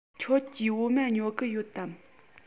ཁྱོད ཀྱིས འོ མ ཉོ གི ཡོད དམ